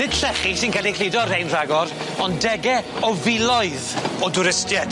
Nid llechi sy'n ca'l 'u cludo ar rhein rhagor, ond dege o filoedd o dwristied.